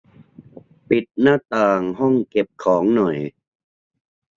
ปิดหน้าต่างห้องเก็บของหน่อย